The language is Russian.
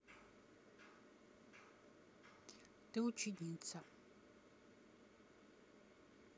ты ученица